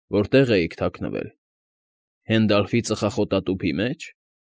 Որտե՞ղ էիք թաքնվել, Հենդալֆի ծխախոտատութի մե՞ջ։